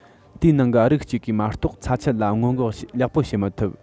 དེའི ནང གི རིགས གཅིག གིས མ གཏོགས ཚྭ ཆུ ལ སྔོན འགོག ལེགས པོ བྱེད མི ཐུབ